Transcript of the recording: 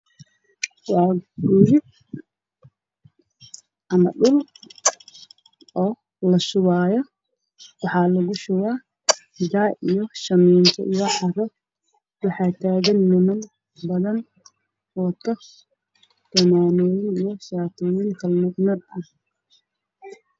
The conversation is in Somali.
Meeshan waxaa ka muuqda niman ka n dhisayo darbi sugayo shamiito